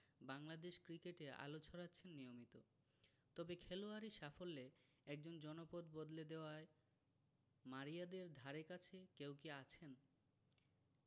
বাংলাদেশ ক্রিকেটে আলো ছড়াচ্ছেন নিয়মিত তবে খেলোয়াড়ি সাফল্যে একজন জনপদ বদলে দেওয়ায় মারিয়াদের ধারেকাছে কেউ কি আছেন